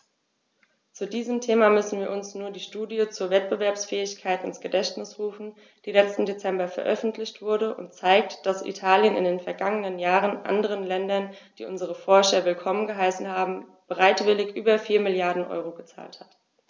Zu diesem Thema müssen wir uns nur die Studie zur Wettbewerbsfähigkeit ins Gedächtnis rufen, die letzten Dezember veröffentlicht wurde und zeigt, dass Italien in den vergangenen Jahren anderen Ländern, die unsere Forscher willkommen geheißen haben, bereitwillig über 4 Mrd. EUR gezahlt hat.